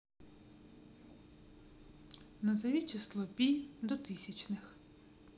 назови число пи до тысячных